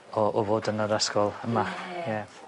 o o fod yn yr ysgol yma. Ie. Ie.